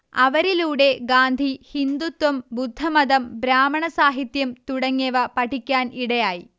അവരിലുടെ ഗാന്ധി ഹിന്ദുത്വം ബുദ്ധമതം ബ്രാഹ്മണ സാഹിത്യം തുടങ്ങിയവ പഠിക്കാൻ ഇടയായി